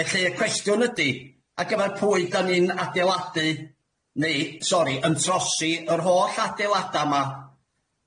Felly y cwestiwn ydi a gyfar pwy dan ni'n adeiladu neu sori yn trosi yr holl adeilada' yma?